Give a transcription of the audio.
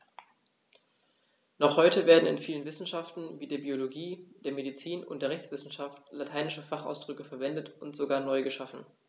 Noch heute werden in vielen Wissenschaften wie der Biologie, der Medizin und der Rechtswissenschaft lateinische Fachausdrücke verwendet und sogar neu geschaffen.